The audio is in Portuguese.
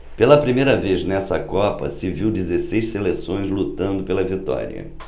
pela primeira vez nesta copa se viu dezesseis seleções lutando pela vitória